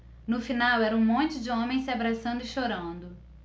no final era um monte de homens se abraçando e chorando